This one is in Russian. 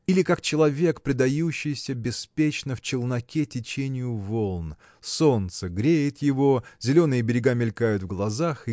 или как человек, предающийся беспечно в челноке течению волн солнце греет его зеленые берега мелькают в глазах